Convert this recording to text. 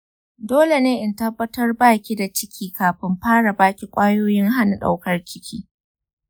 dole ne in tabbatar ba ki da ciki kafin fara ba ki ƙwayoyin hana ɗaukar ciki.